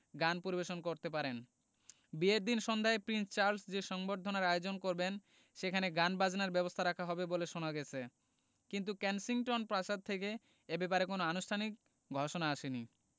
গান পরিবেশন করতে পারেন বিয়ের দিন সন্ধ্যায় প্রিন্স চার্লস যে সংবর্ধনার আয়োজন করবেন সেখানে গানবাজনার ব্যবস্থা রাখা হবে বলে শোনা গেছে কিন্তু কেনসিংটন প্রাসাদ থেকে এ ব্যাপারে কোনো আনুষ্ঠানিক ঘোষণা আসেনি